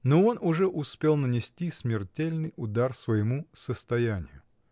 Но он уже успел нанести смертельный удар своему состоянию.